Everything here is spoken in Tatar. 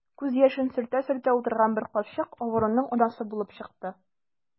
Күз яшен сөртә-сөртә утырган бер карчык авыруның анасы булып чыкты.